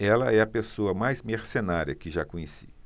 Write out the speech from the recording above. ela é a pessoa mais mercenária que já conheci